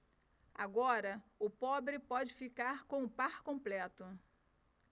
agora o pobre pode ficar com o par completo